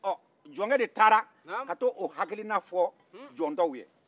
ɔ jɔncɛ de taara ka taa o hakilina fɔ jɔn tɔw ye